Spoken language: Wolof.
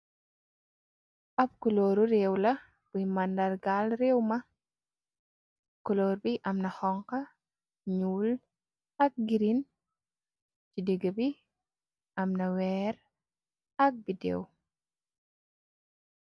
Ab kulooru réew la buy mandargaal réew ma kuloor bi amna xonxo nuul ak girin ci digga bi amna weer ak bi déew.